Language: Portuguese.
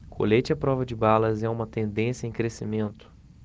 colete à prova de balas é uma tendência em crescimento